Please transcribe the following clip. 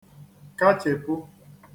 kachèpu